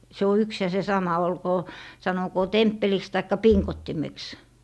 se on yksi ja se sama olkoon sanokoon temppeliksi tai pingottimeksi